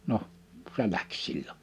no se lähti silloin